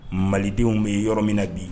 Malidenw bɛ ye yɔrɔ min na bi